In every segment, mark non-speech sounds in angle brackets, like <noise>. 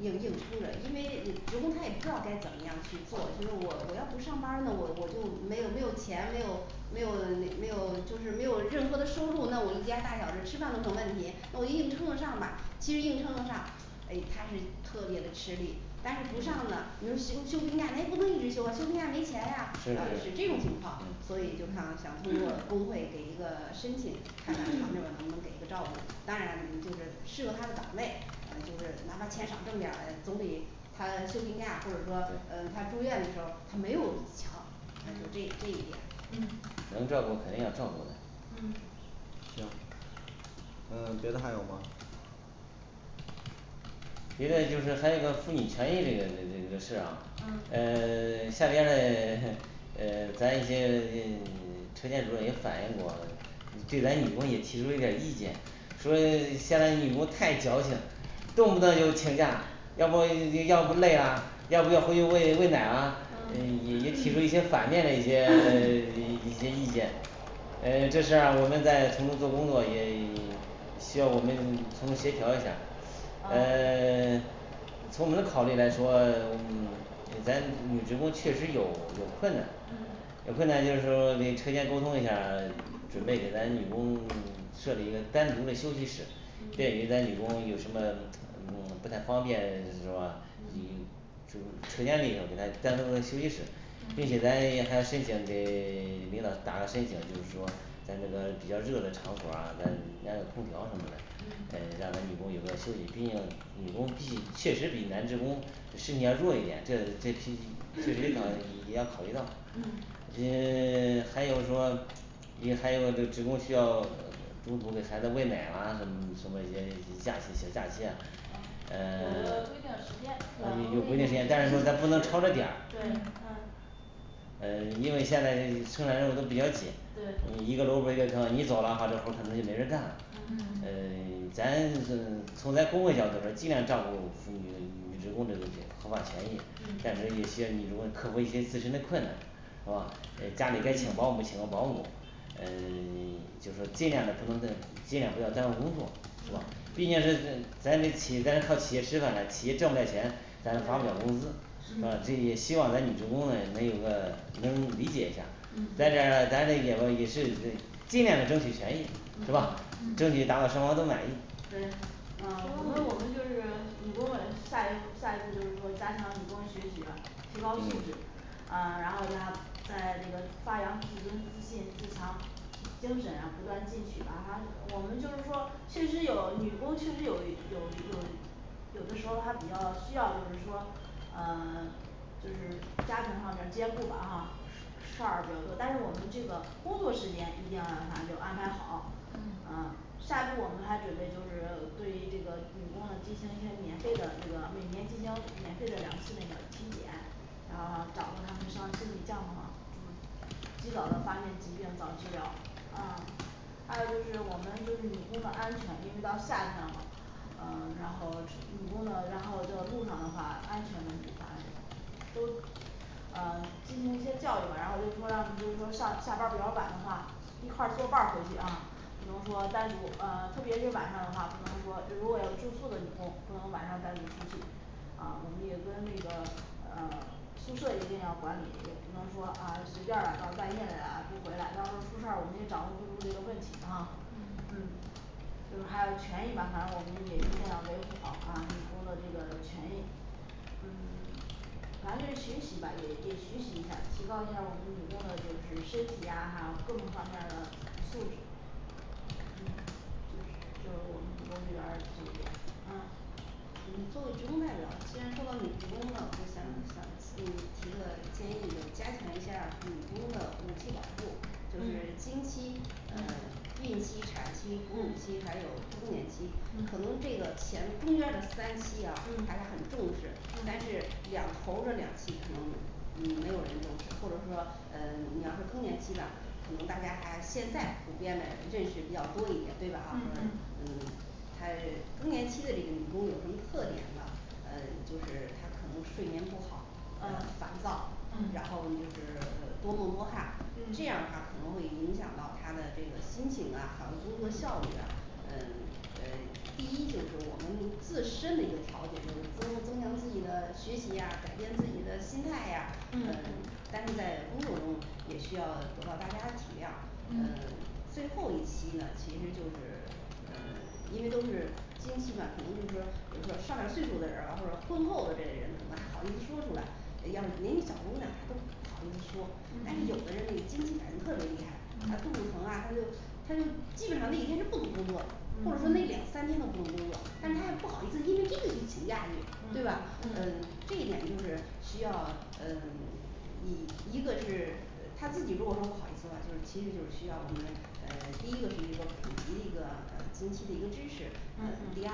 <silence> 硬硬撑的，因为职工他也不知道该怎么样去做，就是我我要不上班儿呢我我就没有没有钱，没有没有那没有就是没有任何的收入，那我们家大小人儿吃饭都成问题，那我硬撑着上吧，其实硬撑着上诶他是特别的吃力，但是不上呢你说休休病假，连病例没有啊，休病假没钱呀是是是，嗯？是这种情况，所以就嗯想想通嗯过工 <hesitation> 会给一个申请，看看他们能不能给个照顾，当然就是适合他的岗位，就是哪怕钱少挣点嘞，总比他休病假或者说对他住院的时候儿他没有强，就这这一点嗯能照顾肯定要照顾的嗯呃，别的还有吗？别的就是还有个妇女权益这个这个这个事儿啊。 嗯呃下边嘞 <noise> 呃咱一些 <silence> 车间主任也反映过，对咱女工也提出一点儿意见，说现在女工太矫情动不动就请假，要不要不累了，要不就回去喂喂奶了，嗯也 <hesitation> 也提出一些反面的一些 <silence> 一些意见呃这事儿啊我们在从中做工作，也 <silence> 需要我们从中协调一下儿。啊呃 <silence> 嗯嗯嗯就车间里头给她单独嘞休息室，并且嗯咱也还要申请给 <silence> 领导打个申请，就是说咱这个比较热的场所儿啊，咱按个空调什么嗯嘞，让她女工有个休息，毕竟女工必须确实比男职工身体要弱一点，这这批这个也考 <hesitation> 也要考虑到嗯。也 <silence> 还有说也还有这职工需要中途给孩子喂奶啦什么什么一些假期小假期呀，嗯，有个呃规定时间 <silence> 有有个规喂定奶时时间间，但是说咱不能超这点儿。对嗯呃因为现在生产任务都比较紧对，你一个萝卜儿一个坑，你走了，把这活儿可能就没人干了。嗯嗯呃咱从咱工作角度说尽量照顾妇女女职工这个合法权益嗯，但嗯是也希望女职工克服一些自身的困难是吧？家里边请保姆请个保姆，呃 <silence> 就说尽量不能在尽量不要耽误工作是吧嗯？毕竟这嗯咱这企业咱这靠企业吃饭嘞，企业挣不了钱，咱发不对了工资是吧？这嗯也希望咱女职工呢能有个能理解一下儿嗯，咱嗯这咱这也吧也是尽量的争取权益是嗯吧嗯？嗯争取达到双方都满意对呃我们我们就是女工委下一下一步就是说加强女工学习吧，提高素质嗯啊然后教她在这个发扬自尊自信、自强精神啊不断进取啦，还有我们就是说确实有女工确实有有有有的时候儿她比较需要就是说呃 <silence> 就是家庭上边儿兼顾吧哈事儿比较多，但是我们这个工作时间一定要反正就是安排好嗯。啊， 下一步儿我们还准备就是对于这个女工的进行些免费的这个每年进行免费的两次那个体检然后掌握她们身上身体状况，及早的发现疾病，早治疗。嗯，还有就是我们就是女工的安全，因为到夏天了嘛嗯 <silence> 然后持女工的然后就路上的话安全问题反正都呃进行些教育吧，然后就说让她们就是说上下班儿比较晚的话，一块作伴儿回去哈比方说单独呃特别是晚上的话，不能说如果有住宿的女工，不能晚上单独出去，呃我们也跟那个呃宿舍一定要管理，也不能说啊随便儿了到半夜了呀不回来，到时候儿出事儿我们也掌握不住这个问题哈嗯，嗯就是还有权益吧，反正我们也一定要维护好啊女工的这个权益，嗯 <silence> 反正就是学习吧也也学习一下儿，提高一下儿我们女工的就是身体呀还有各种方面儿的素质。嗯，就是，就我们女工这边儿就是这样嗯作为职工代表，既然说到女职工了，我们想想就是提个建议，加强一下儿女工的五期保护，就是嗯经期、呃嗯孕期、产期、哺乳期嗯还有更年期，可嗯能这个前中间儿的三期呀还是嗯很重视嗯，但是嗯两头儿这两期可能嗯，没有人重视，或者说呃你要是更年期吧，可能大家还现在普遍的认识比较多一点，对吧哈？嗯嗯嗯她更年期的这个女工有什么特点呢呃就是她可能睡眠不好呃嗯烦躁，然嗯后就是多梦多汗，嗯这样的话可能会影响到她的这个心情啊还有工作效率啊。 呃呃第一就是我们自身的一个调节，就是增增强自己的学习呀，改变自己的心态呀，呃嗯但是在工作中也需要得到大家的体谅，呃嗯最后一期呢其实就是呃因为都是经期嘛，可能就是说比如说上了岁数的人或者婚后的这些人可能还好意思说出来，要是连你小姑娘她都不好意思说，嗯但是有的嗯人经期反应特别厉害，嗯肚子疼啊她就嗯嗯嗯嗯嗯嗯嗯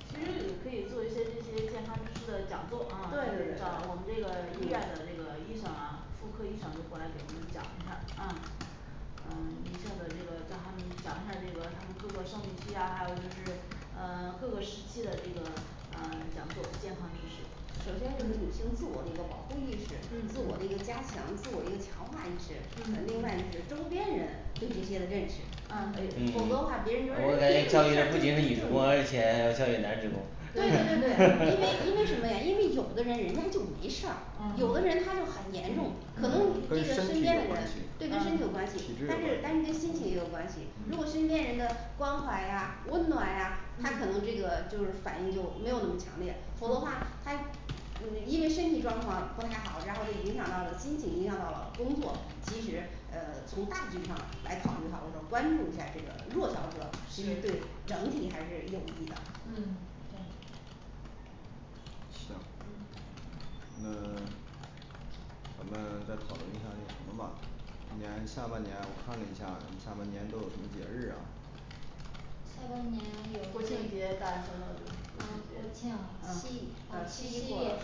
其实也可以做一些这些健康知识的讲座啊，就对对是对找我对们这个医院的这个医生啊，妇科医生都过来给你们讲一下啊，呃女性的这个叫她们讲一下儿这个她们各个生理期呀还有就是呃各个时期的这个呃讲座健康知识，嗯嗯嗯嗯嗯，我感觉教育的不仅是女职工而且还要教育男职工嗯嗯嗯嗯嗯嗯嗯，因为身体状况不太好，然后就影响到了心情，影响到了工作。 其实呃从大局上来考虑哈，我说关注一下这个弱小者是对整嗯体还是有益的。嗯，对。行嗯呃 <silence> 咱们再讨论一下儿那什么吧。今年下半年我看了一下儿下半年都有什么节日啊。国庆节大型的就是国庆节，嗯，七七夕过了，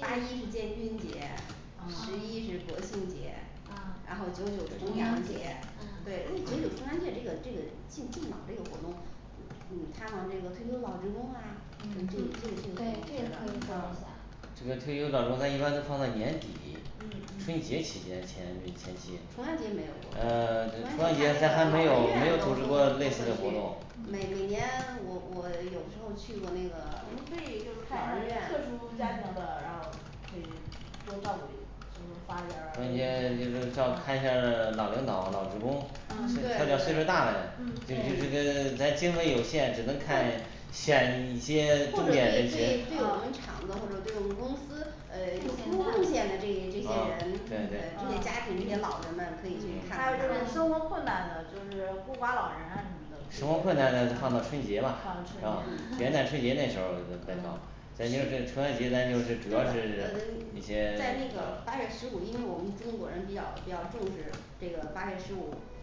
八一是建军节，十一是国庆节，然后九九是重阳节。对诶九九重阳节这个这个敬敬老这个活动嗯，看望那个退休老职工啊嗯嗯对这个可以做一下这个退休老职工咱一般都放在年底嗯，春嗯节期间前前期重阳节没有，呃过，重重阳阳节节的咱还话老没有人没院有都组织都过都类会去似的活动。每每年我我有时候儿去过那个老人院嗯对嗯对或者对对对我们嗯厂子或者对我们公司呃有突出贡贡献献的大的这这些人，呃这些家嗯庭这些老人们可以去还有看看就是生活困难的就是孤寡老人啊什么的可以，放到春节嗯是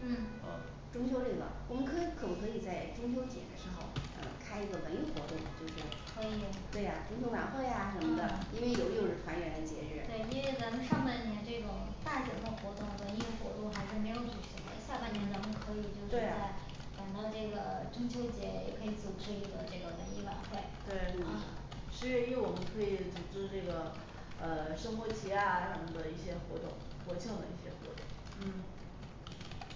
嗯可以嗯对因为咱们上半年这种大型的活动，文艺活动还是没有举行，下半年咱们可以就是在赶到这个中秋节也可以组织一个这个文艺晚会对，啊十月一我们可以组织这个呃升国旗呀什么的一些活动，国庆的一些活动嗯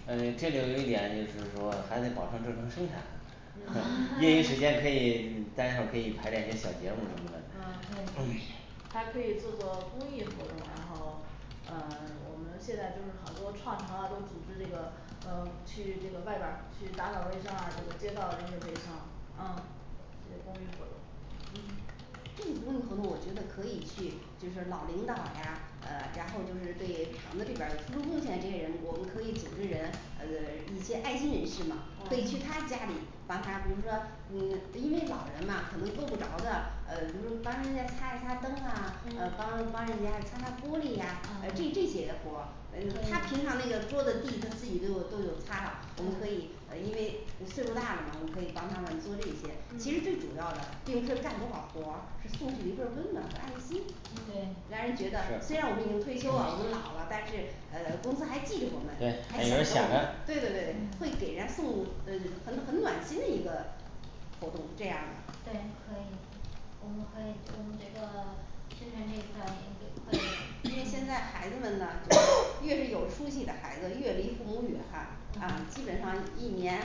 呃这个有一点就是说还得保证正常生产 <noise> 业余时间可以待会儿可以排练一些小节目儿什么的 <noise> 对 <crosstalk> 还可以做做公益活动，然后呃 <silence> 我们现在就是好多创城啊都组织这个呃去这个外边儿去打扫卫生啊，这个街道这些卫生嗯，对公益活动，嗯嗯问嗯呃他可以平常那个桌子地他自己就都有擦了，我们可以因为岁数大了嘛，我们可以帮他们做这些，其实最嗯主要的并不是干多少活儿，是送去一份儿温暖和爱心嗯对，让人觉得虽然我们已经退休了，我们老了，但是呃公司还记得我们对，，还还有人儿想想着我们着对对对，对会给人家送呃很很暖心的一个活动，这样儿的因为现在孩子们呢就越是有出息的孩子，越离父母远哈啊嗯基本上一年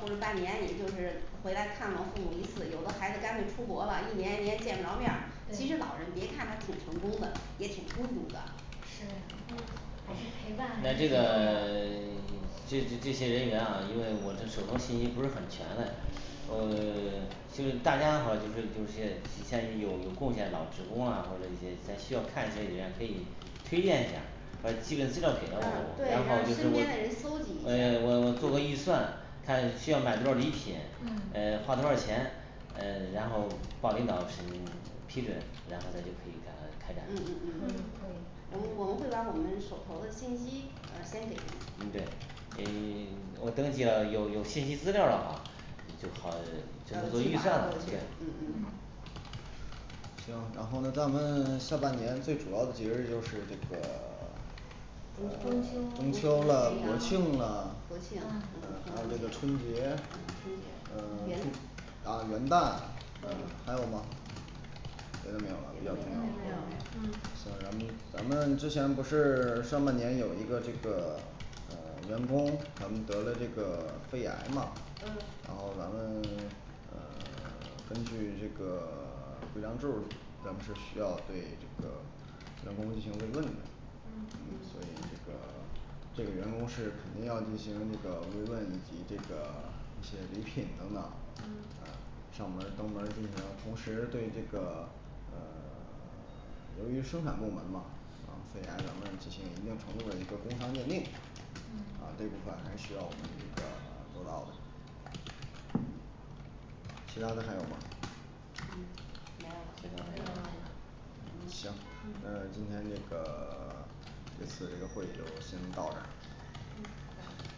或者半年也就是回来看望父母一次，有的孩子干脆出国了，一年一年见不着面儿，其对实老人别看他挺成功的，也挺孤独的是嗯，还是陪伴，那还这是挺重个要 <silence> 这这这些人员啊，因为我这手头儿信息不是很全嘞呃 <silence> 就是大家的话就是就是些你像有有贡献，老职工啊或者一些需要看这些可以推荐一下儿把基本资料给了我对，，让然后就是身边的人搜集一我下诶我我做个预儿，嗯算，看需要买多少儿礼品，嗯呃花多少儿钱呃然后报领导审批准，然后咱就可以展开嗯展。可以嗯嗯嗯可以，我们我们会把我们手头的信息呃先给您就好就说预算吧嗯嗯嗯行，然后呢在我们下半年最主要的节日就是这个 <silence> 中秋，十一国庆，嗯，嗯，春节，元旦，对别的没有别的没了， <silence> 没有有了了嗯行，咱们之前不是上半年有一个这个呃，员工咱们得了这个 <silence> 肺癌嘛嗯，然后咱们 <silence> 呃 <silence> 根据这个 <silence> 规章制度咱们是需要对这个员工进行慰问的嗯嗯所以这个 <silence> 这个员工是肯定要进行这个慰问以及这个选礼品等等嗯上门儿登门儿进行，同时对这个 <silence> 嗯其它的还有吗没没有了有了嗯嗯嗯好的